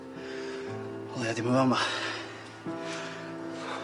O leia d'w 'i'm yn fa' 'ma.